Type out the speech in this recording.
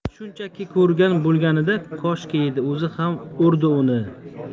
shunchaki ko'rgan bulganida koshki edi o'zi ham urdi uni